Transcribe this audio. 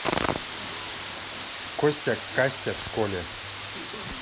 костя кастя в школе